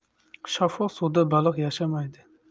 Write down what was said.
shaffof suvda baliq yashamaydi